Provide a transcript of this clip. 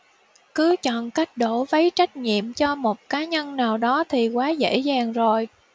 cứ chọn cách đổ vấy trách nhiệm cho một cá nhân nào đó thì quá dễ dàng rồi